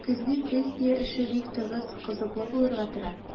Көзге сессия эше бик тыгыз, кызыклы булырга тора.